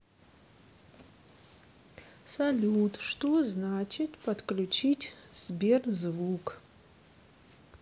салют что значит подключить сберзвук